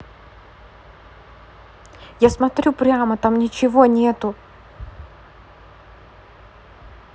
я смотрю прямо там ничего нету